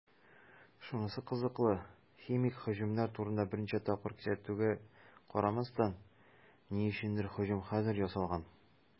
Шунысы кызыклы, химик һөҗүмнәр турында берничә тапкыр кисәтүгә карамастан, ни өчендер һөҗүм хәзер ясалган.